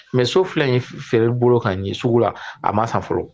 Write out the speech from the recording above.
Mais so fila in ye feereli bolo ka nin ye sugu la nk'a ma san fɔrɔ.